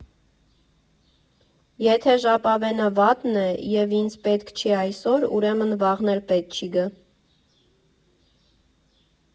Եթե ժապավենը վատն է, և ինձ պետք չի այսօր, ուրեմն վաղն էլ պետք չի գա։